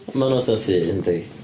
Maen nhw'n fatha tŷ, yndi.